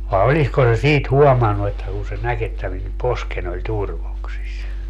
vai olisiko se siitä huomannut että kun se näki että minun poskeni oli turvoksissa